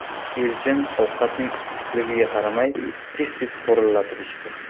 elchin ovqatning issiqligiga qaramay tez tez xo'rillatib ichdi